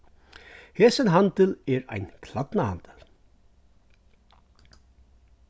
hesin handil er ein klædnahandil